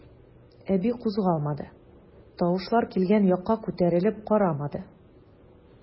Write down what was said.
Әби кузгалмады, тавышлар килгән якка күтәрелеп карамады.